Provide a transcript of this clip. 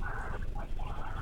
Sangɛnin